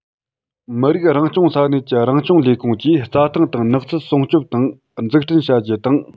མི རིགས རང སྐྱོང ས གནས ཀྱི རང སྐྱོང ལས ཁུངས ཀྱིས རྩྭ ཐང དང ནགས ཚལ སྲུང སྐྱོབ དང འཛུགས སྐྲུན བྱ རྒྱུ དང